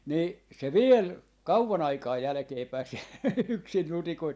niin se vielä kauan aikaa jälkeenpäin siellä yksin nutikoitsi